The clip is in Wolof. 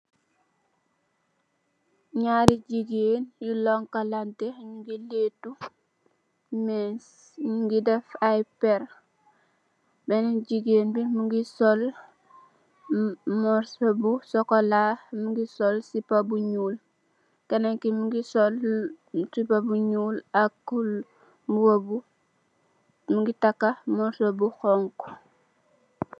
Nyari jegain yu lunkulanteh nuge letou mess nuge def aye perreh benen jegain be muge sol mursu bu sukola muge sol sepa bu nuul kenen ke muge sol sepa bu nuul ak muba bu muge taka mursu bu hauhu.